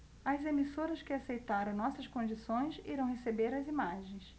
as emissoras que aceitaram nossas condições irão receber as imagens